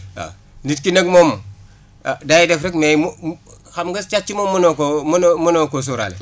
waaw nit ki nag moom ah day def rek mais mu xam nga càcc moom munoo koo munoo ùmunoo ko sóoraale